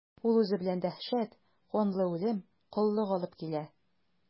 Ул үзе белән дәһшәт, канлы үлем, коллык алып килә.